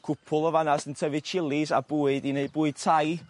Cwpwl o fanas yn tyfu chilies a bwyd i neud bwyd Thai.